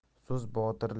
so'z botirligi tilda